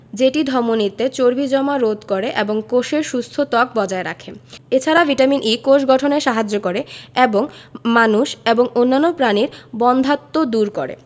যেটি ধমনিতে চর্বি জমা রোধ করে এবং কোষের সুস্থ ত্বক বজায় রাখে এ ছাড়া ভিটামিন E কোষ গঠনে সাহায্য করে এবং মানুষ এবং অন্যান্য প্রাণীর বন্ধ্যাত্ব দূর করে